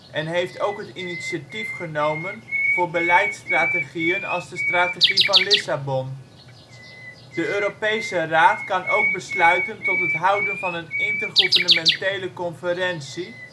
en heeft ook het initiatief genomen voor beleidsstrategieën als de Strategie van Lissabon. De Europese Raad kan ook besluiten tot het houden van een Intergouvernementele Conferentie